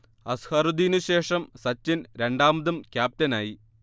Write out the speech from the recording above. അസ്ഹറുദ്ദീനു ശേഷം സച്ചിൻ രണ്ടാമതും ക്യാപ്റ്റനായി